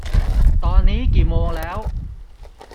ตอนนี้กี่โมงแล้ว